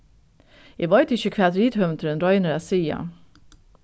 eg veit ikki hvat rithøvundurin roynir at siga